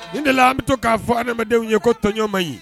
Nin de an bɛ to k'a fɔ adamadamadenw ye ko tɔnɲɔgɔnma ɲi